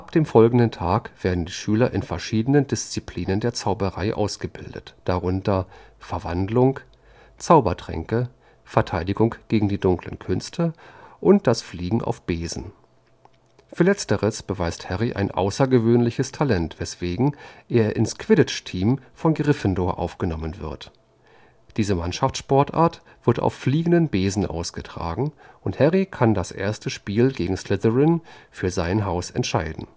dem folgenden Tag werden die Schüler in verschiedenen Disziplinen der Zauberei ausgebildet, darunter Verwandlung, Zaubertränke, Verteidigung gegen die Dunklen Künste und das Fliegen auf Besen. Für letzteres beweist Harry ein außergewöhnliches Talent, weswegen er ins Quidditch-Team von Gryffindor aufgenommen wird. Diese Mannschaftssportart wird auf fliegenden Besen ausgetragen, und Harry kann das erste Spiel gegen Slytherin für sein Haus entscheiden